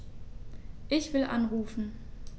Ich will anrufen.